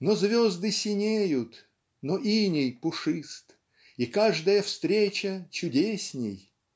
Но звезды синеют, но иней пушист, И каждая встреча чудесней,